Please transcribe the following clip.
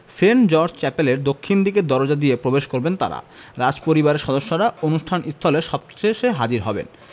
Saint George চ্যাপেলের দক্ষিণ দিকের দরজা দিয়ে প্রবেশ করবেন তাঁরা রাজপরিবারের সদস্যরা অনুষ্ঠান স্থলে সবশেষে হাজির হবেন